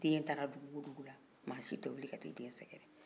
den taara dugu o dugu la maa si tɛ wili ka t'a den sɛkɛrɛ